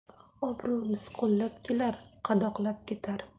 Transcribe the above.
obro' misqollab kelar qadoqlab ketar